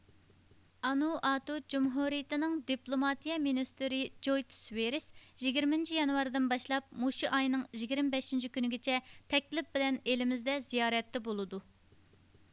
ئانۇئاتۇ جۇمھۇرىيىتىنىڭ دىپلۇماتىيە مىنىستىرى جويتىس ۋېرس يىگىرمىنچى يانۋاردىن باشلاپ مۇشۇ ئاينىڭ يىگىرمە بەشىنچى كۈنىگىچە تەكلىپ بىلەن ئېلىمىزدە زىيارەتتە بولىدۇ